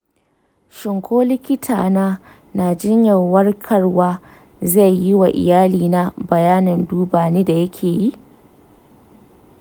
shin ko likita na na jinyar warkarwa zai yiwa iyalina bayanin duba ni da yake yi?